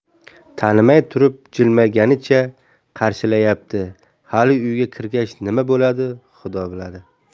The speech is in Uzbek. tanimay turib jilmayganicha qarshilayapti hali uyga kirgach nima bo'ladi xudo biladi